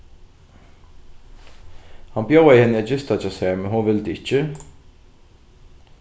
hann bjóðaði henni at gista hjá sær men hon vildi ikki